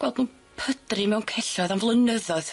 Gweld nw'n pydru mewn celloedd am flynyddoedd.